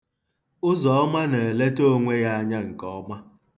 Ụzọma na-eleta onwe ya anya nke ọma.